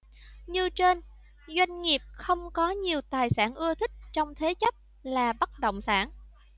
như trên doanh nghiệp không có nhiều tài sản ưa thích trong thế chấp là bất động sản